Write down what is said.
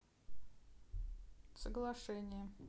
соглашение